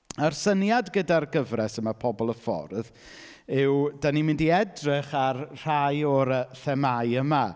a'r syniad gyda'r gyfres yma, Pobol y Ffordd, yw dan ni'n mynd i edrych ar rhai o'r yy themau yma.